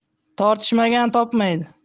tortishmagan topmaydi